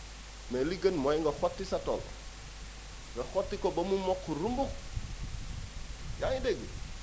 mais li gën mooy nga xotti sa tool nga xotti ko ba mu mokk rumbux yaa ngi dégg